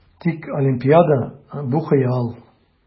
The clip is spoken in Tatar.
Тик Олимпиада - бу хыял!